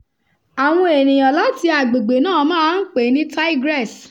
Àwọn ènìyàn láti agbègbè náà máa ń pè é ní "tigress".